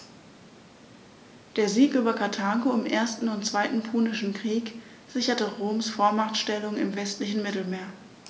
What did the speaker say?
Der Sieg über Karthago im 1. und 2. Punischen Krieg sicherte Roms Vormachtstellung im westlichen Mittelmeer.